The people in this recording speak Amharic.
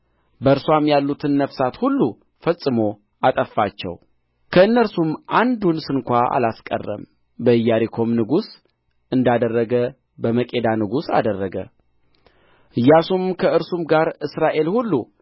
በእርስዋም ያሉትን ነፍሳት ሁሉ ፈጽሞ አጠፋቸው ከእነርሱም አንዱን ስንኳ አላስቀረም በኢያሪኮም ንጉሥ እንዳደረገ በመቄዳ ንጉሥ አደረገ ኢያሱም ከእርሱም ጋር እስራኤል ሁሉ